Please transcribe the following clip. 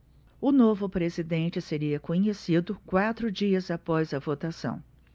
o novo presidente seria conhecido quatro dias após a votação